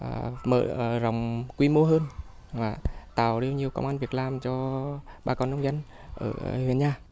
à mở rộng quy mô hơn và tạo ra nhiều công ăn việc làm cho bà con nông dân ở huyện nhà